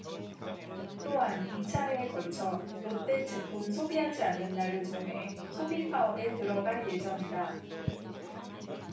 또한 이 차례에 걸쳐 롯데 제품 소비하지 않는 날을 정해 소비 파업에 들어갈 예정이다